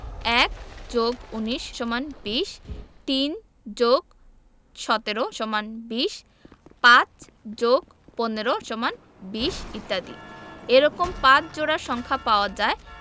১+১৯=২০ ৩+১৭=২০ ৫+১৫=২০ ইত্যাদি এরকম ৫ জোড়া সংখ্যা পাওয়া যায়